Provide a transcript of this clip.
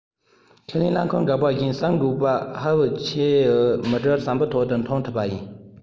ཁས ལེན རླངས འཁོར འགག བཞིན གསར འགོད པ ཧྭ ཝུའེ ཆའོ མི འགྲུལ ཟམ པའི འོག ཏུ མཐོང ཐུབ པ ཡིན